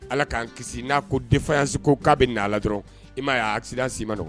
Ala k'an kisi n'a ko denfase ko k'a bɛ' la dɔrɔn i m maa y'a sii ma dɔgɔ